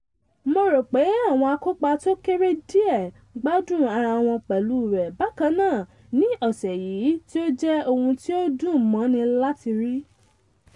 "Mo rò pé àwọn àkópa tó kéré díẹ̀ gbádùn ara wọn pẹ̀lú rẹ̀, bakan náà, ní ọ̀ṣẹ̀ yìí, tí ó jẹ́ ohun tí ó dùn mọ́ni láti rí.